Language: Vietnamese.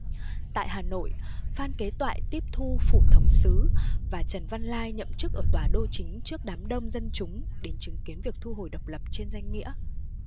tại hà nội phan kế toại tiếp thu phủ thống sứ và trần văn lai nhậm chức ở tòa đô chính trước đám đông dân chúng đến chứng kiến việc thu hồi độc lập trên danh nghĩa